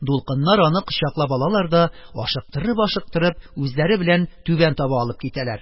Дулкыннар аны кочаклап алалар да, ашыктырып-ашыктырып, үзләре белән түбән таба алып китәләр.